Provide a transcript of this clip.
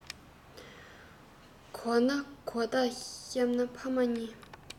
གོང ན གོ བརྡ གཤམ ན ཕ མ གཉིས